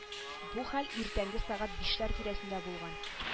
Бу хәл иртәнге сәгать бишләр тирәсендә булган